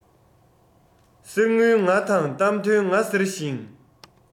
གསེར དངུལ ང དང གཏམ དོན ང ཟེར ཞིང